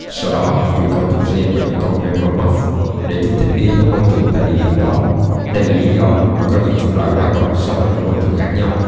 sau đó truyền cấu trúc gen vào những con necromorph để chúng thích nghi với môi trường tại địa điểm đó đây là lý do mà có nhiều chủng loại quái vật sống ở những môi trường khác nhau